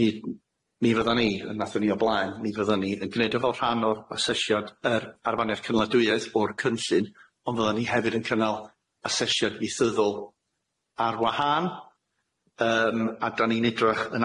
mi- m- mi fyddan ni yn nathon ni o blaen ni fyddan ni yn gneud o fel rhan o'r asesiad yr arfaniaeth cynnadwyedd o'r cynllun ond fyddan ni hefyd yn cynnal asesiad fiethyddol ar wahân yym a dan ni'n edrych yn